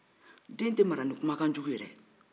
den tɛ mara ni kumakan jugu yɛrɛ ye